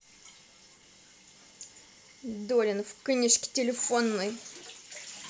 долина в книжке телефонной